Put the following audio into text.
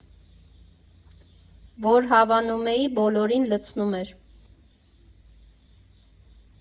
Որ հավանում էի, բոլորին լցնում էր։